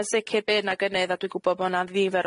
Yn sicir bydd 'na gynnydd a dwi gwbod bo' 'na nifer